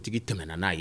Tigi tɛmɛna n'a ye